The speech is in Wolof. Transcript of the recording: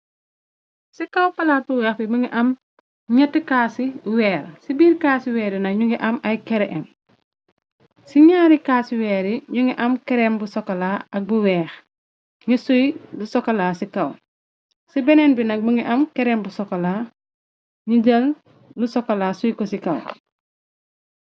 Ci kaw palaatu wèèr bi mi ngi am ñetti kaasi wéer ci biir kaasi weeri na ñu ngi am ay kèrem ci ñaari kaasi weer yi ñu ngi am kerem bu sokola ak bu wèèx ngi suy lu sokolaa ci kaw ci benen bi na mi ngi am kerem bu sokolaa ni jël lu sokola suy ko ci kaw.